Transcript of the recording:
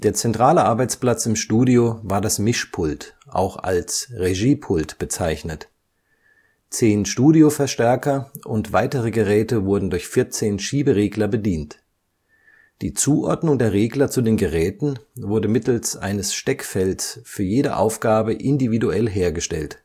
zentrale Arbeitsplatz im Studio war das Mischpult, auch als Regiepult bezeichnet. Zehn Studioverstärker und weitere Geräte wurden durch 14 Schieberegler bedient. Die Zuordnung der Regler zu den Geräten wurde mittels eines Steckfelds für jede Aufgabe individuell hergestellt